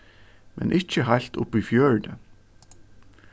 men ikki heilt upp í fjøruti